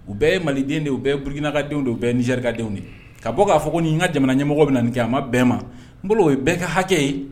U bɛɛ ye maliden de u bɛɛ ye burukinakadenw de bɛɛ ni serikadenw de ka bɔ k'a fɔ ko ni' n ka jamana ɲɛmɔgɔ min na nin kɛ a ma bɛɛ ma n bolo o ye bɛɛ ka hakɛ ye